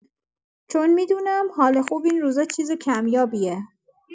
چون می‌دونم حال خوب این روزا چیز کمیابه.